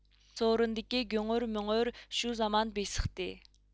سورۇندىكى گۈڭۈر مۈڭۈر شۇ زامان بېسىقتى